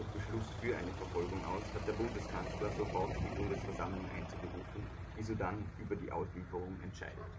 Beschluss für eine Verfolgung aus, hat der Bundeskanzler sofort die Bundesversammlung einzuberufen, die sodann über die Auslieferung entscheidet